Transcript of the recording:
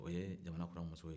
o ye jamana kɔnɔ muso ye